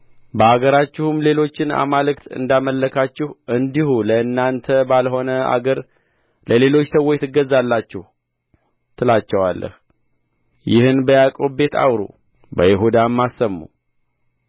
በአገራችሁም ሌሎችን አማልክት እንዳመለካችሁ እንዲሁ ለእናንተ ባልሆነ አገር ለሌሎች ሰዎች ትገዛላችሁ ትላቸዋለህ ይህን በያዕቆብ ቤት አውሩ በይሁዳም አሰሙ